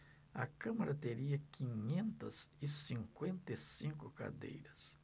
a câmara teria quinhentas e cinquenta e cinco cadeiras